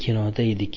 kinoda edik